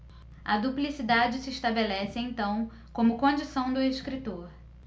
a duplicidade se estabelece então como condição do escritor